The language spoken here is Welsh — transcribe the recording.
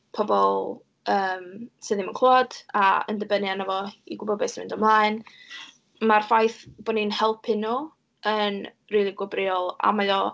Pobol, yym, sy ddim yn clywed a yn dibynnu arno fo i gwybod be sy'n mynd ymlaen. Ma'r ffaith bod ni'n helpu nhw yn rili gwobrwyol, a mae o...